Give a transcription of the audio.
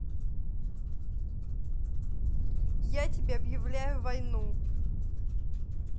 я тебе объявляю войну